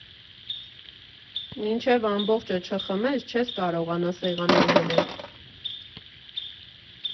Մինչև ամբողջը չխմես, չես կարողանա սեղանին դնել»։